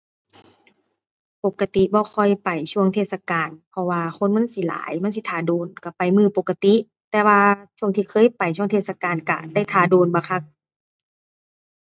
ปกติบ่ค่อยไปช่วงเทศกาล เพราะว่าคนมันสิหลายมันสิท่าโดนก็ไปมื้อปกติ แต่ว่าช่วงที่เคยไปช่วงเทศกาลก็ได้ท่าโดนบักคัก